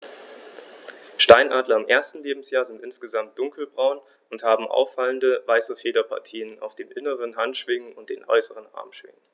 Steinadler im ersten Lebensjahr sind insgesamt dunkler braun und haben auffallende, weiße Federpartien auf den inneren Handschwingen und den äußeren Armschwingen.